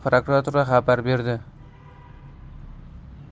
prokuratura xabar berdi